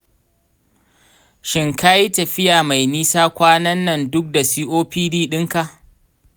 shin ka yi tafiya mai nisa kwanan nan duk da copd ɗinka?